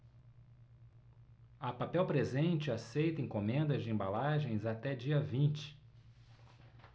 a papel presente aceita encomendas de embalagens até dia vinte